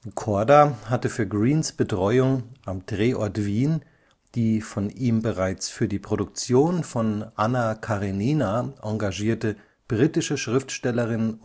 Korda hatte für Greenes Betreuung am Drehort Wien die von ihm bereits für die Produktion von Anna Karenina engagierte britische Schriftstellerin